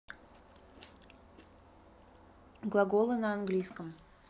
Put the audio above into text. глаголы на английском